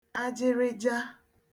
ajịrịịja